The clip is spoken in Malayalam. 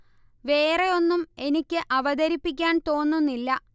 വേറെ ഒന്നും എനിക്ക് അവതരിപ്പിക്കാൻ തോന്നുന്നില്ല